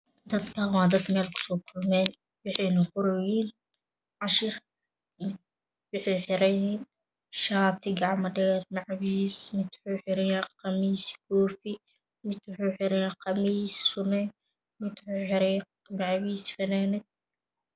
Dadkaani waa dad meel ku Soo wada kulmi waxayna qorooyiin cashir waxay xeran yihiin shaati gacmo dheero wacashiis mid wuxuu xeran yahay khamiis koofi, mid wuxuu xeran yahay khamiis fune, mid wuxuu xeran yahay macawiish finaanad